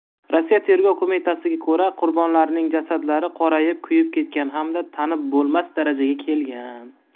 rossiya tergov qo'mitasiga ko'ra qurbonlarning jasadlari qorayib kuyib ketgan hamda tanib bo'lmas darajaga kelgan